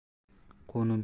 har ishning ketiga